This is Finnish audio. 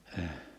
-